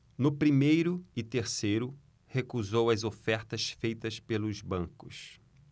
no primeiro e terceiro recusou as ofertas feitas pelos bancos